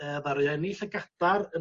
yy ddaru enill y gadar yn...